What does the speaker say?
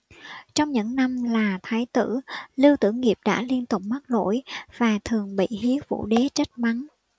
trong những năm là thái tử lưu tử nghiệp đã liên tục mắc lỗi và thường bị hiếu vũ đế trách mắng